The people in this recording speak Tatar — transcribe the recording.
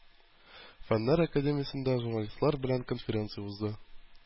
Фәннәр академиясендә журналистлар белән конференция узды.